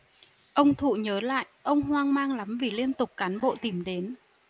ông thụ nhớ lại ông hoang mang lắm vì liên tục cán bộ tìm đến